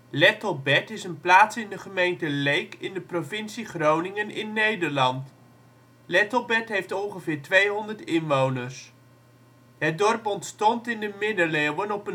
Lepterd) is een plaats in de gemeente Leek in de provincie Groningen in Nederland. Lettelbert heeft ongeveer 200 inwoners. Het dorp ontstond in de Middeleeuwen op